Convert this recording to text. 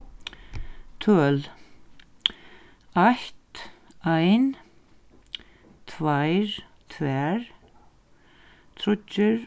tøl eitt ein tveir tvær tríggir